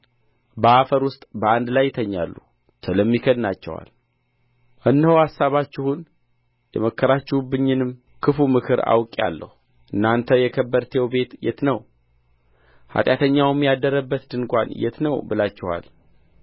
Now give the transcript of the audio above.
በአፈር ውስጥ በአንድ ላይ ይተኛሉ ትልም ይከድናቸዋል እነሆ አሳባችሁን የመከራችሁብኝንም ክፉ ምክር አውቄዋለሁ እናንተ የከበርቴው ቤት የት ነው ኃጢአተኛውም ያደረበት ድንኳን የት ነው ብላችኋል